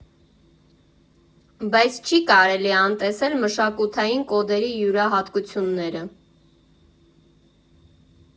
Բայց չի կարելի անտեսել մշակութային կոդերի յուրահատկությունները։